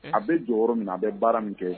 A bɛ jɔyɔrɔ min a bɛ baara min kɛ